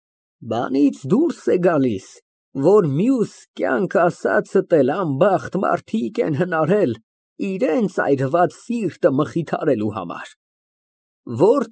Բանից դուրս է գալիս, որ մյուս կյանք ասածդ էլ անբախտ մարդիկ են հնարել՝ իրանց այրված սիրտը մխիթարելու համար։